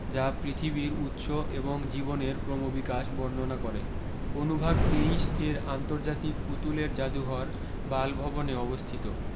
যা পৃথিবীর উৎস এবং জীবনের ক্রমবিকাশ বর্ণনা করে অনুভাগ তেইশ এর আন্তর্জাতিক পুতুলের জাদুঘর বাল ভবনে অবস্থিত